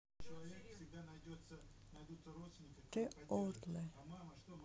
the heartless